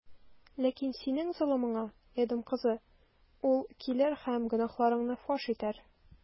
Ләкин синең золымыңа, Эдом кызы, ул килер һәм гөнаһларыңны фаш итәр.